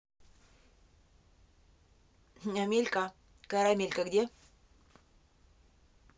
амелька карамелька где